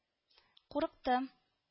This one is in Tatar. — курыктым